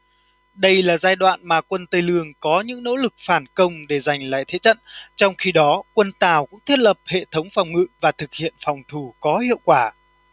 đây là giai đoạn mà quân tây lương có những nỗ lực phản công để giành lại thế trận trong khi đó quân tào cũng thiết lập hệ thống phòng ngự và thực hiện phòng thủ có hiệu quả